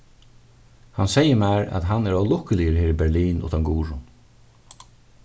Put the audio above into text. hann segði mær at hann er ólukkuligur her í berlin uttan guðrun